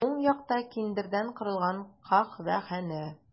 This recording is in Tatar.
Уң якта киндердән корылган каһвәханә.